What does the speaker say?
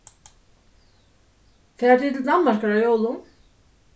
fara tit til danmarkar á jólum